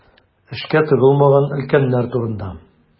Эшкә тыгылмаган өлкәннәр турында.